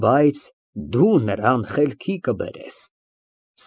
Բայց դու նրան խելքի կբերես։